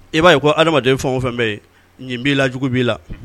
I b'a ye ko hadamaden fɛn o fɛn bɛ yen ɲin b'i la jugu b'i la